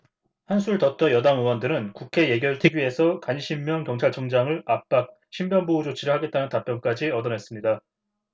한술 더 떠 여당 의원들은 국회 예결특위에서 강신명 경찰청장을 압박 신변보호 조치를 하겠다는 답변까지 얻어냈습니다